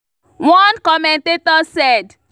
One commentator said: